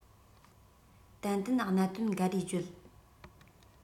ཏན ཏན གནད དོན འགའ རེ བརྗོད